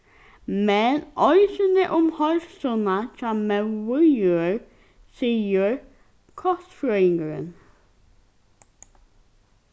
men eisini um heilsuna hjá móður jørð sigur kostfrøðingurin